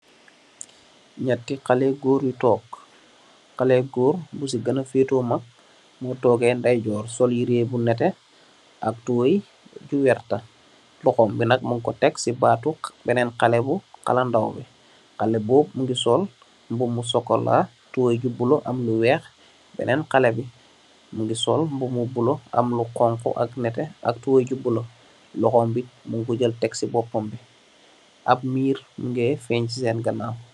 Njehti khaleh yu gorre yu tok, khaleh gorre bu cii gehnah fehtor mak mor togeh ndeyjorr sol yehreh bu nehteh ak tubeiy ju vertah, lokhom bii nak munkor tek cii baatu benen khaleh bu gahnah ndaw bii, khaleh bobu mungy sol mbubu bu chocolat, tubeiy ju bleu am lu wekh, benen khaleh bii mungy sol mbubu bu bleu am lu honhu ak nehteh ak tubeiy ju bleu, lokhom bii munkor jeul tek cii bopam bii, ahbb mirr mungeh fengh cii sen ganaw.